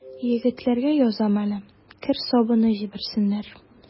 Егетләргә язам әле: кер сабыны җибәрсеннәр.